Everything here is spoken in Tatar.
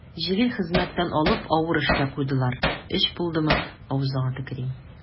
Җиңел хезмәттән алып авыр эшкә куйдылар, өч булдымы, авызыңа төкерим.